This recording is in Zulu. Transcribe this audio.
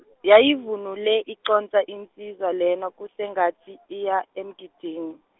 yayivunule iconsa insizwa lena kusengathi iya, emgidini.